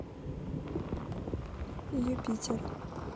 юпитер